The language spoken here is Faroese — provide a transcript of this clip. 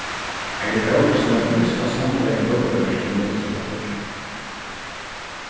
eini bók sum var tað fyrsta samlaða bókaverkið um nólsoyar páll